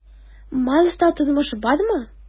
"марста тормыш бармы?"